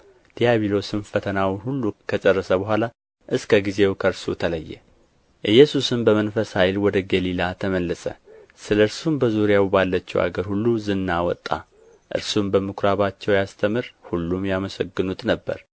ዲያቢሎስም ፈተናውን ሁሉ ከጨረሰ በኋላ እስከ ጊዜው ከእርሱ ተለየ ኢየሱስም በመንፈስ ኃይል ወደ ገሊላ ተመለሰ ስለ እርሱም በዙሪያው ባለችው አገር ሁሉ ዝና ወጣ እርሱም በምኵራባቸው ያስተምር ሁሉም ያመሰግኑት ነበር